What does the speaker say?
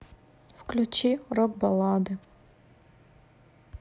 включи рок баллады